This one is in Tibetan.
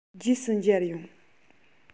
རྗེས སུ མཇལ ཡོང